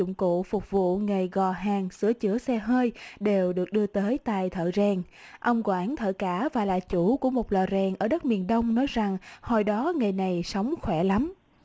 dụng cụ phục vụ nghề gò hàn sửa chữa xe hơi đều được đưa tới tay thợ rèn ông quản thợ cả và là chủ của một lò rèn ở đất miền đông nói rằng hồi đó nghề này sống khỏe lắm